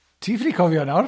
Ti ffaelu cofio nawr.